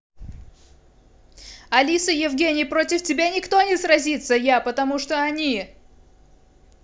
алиса евгений против тебя никто не сразится я потому что они